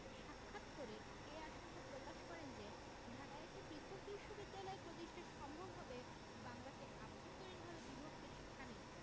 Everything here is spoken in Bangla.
সাক্ষাৎ করে এ আশঙ্কা প্রকাশ করেন যে ঢাকায় একটি পৃথক বিশ্ববিদ্যালয় প্রতিষ্ঠা সম্ভব হবে বাংলাকে অভ্যন্তরীণভাবে বিভক্তির শামিল